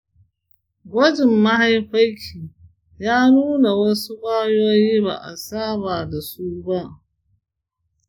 gwajin mahaifanki ya nuna wasu ƙwayoyi ba'a saba dasu ba.